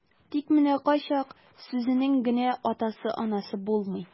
Тик менә кайчак сүзенең генә атасы-анасы булмый.